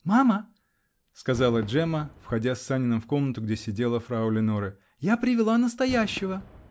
-- Мама, -- сказала Джемма, входя с Саниным в комнату, где сидела фрау Леноре, -- я привела настоящего!